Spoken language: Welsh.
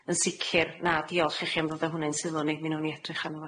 yn sicir, na, diolch i chi am ddod â hwnne i'n sylw ni. Mi newn ni edrych arno fo.